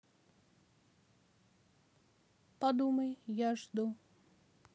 придумай я жду